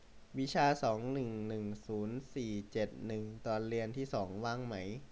วิชาสองหนึ่งหนึ่งศูนย์สี่เจ็ดหนึ่งตอนเรียนที่สองว่างไหม